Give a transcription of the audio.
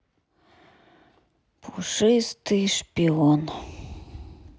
пушистый шпион